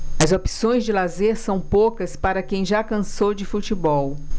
as opções de lazer são poucas para quem já cansou de futebol